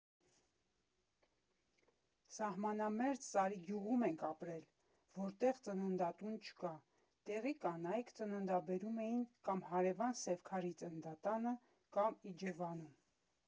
Սահմանամերձ Սարիգյուղում ենք ապրել, որտեղ ծննդատուն չկա, տեղի կանայք ծննդաբերում էին կամ հարևան Սևքարի ծննդատանը, կամ Իջևանում։